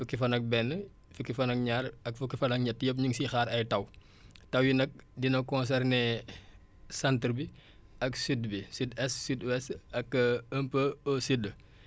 fukki fan ak benn fukki fan ak ñaar ak fukki fan ak ñett yëpp ñu ngi siy xaar ay taw taw yi nag dina concerner centre bi ak sud bi sud-est sud-ouest ak un peu au sud